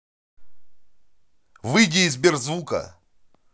выйди из сберзвука